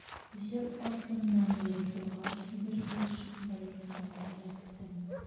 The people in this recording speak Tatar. Җыр артыннан йөри торгач, бер гыйшык бәласенә дә эләктем.